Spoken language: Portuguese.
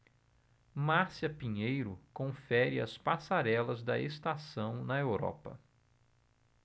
márcia pinheiro confere as passarelas da estação na europa